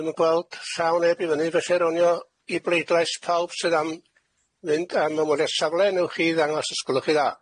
Dwi'm yn gweld llaw neb i fyny felly rowni o i bleidlais pawb sy am fynd am ymwelia safle newch chi ddangos osgolwch chi dda.